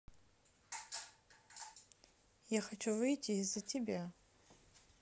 я хочу выйти из за тебя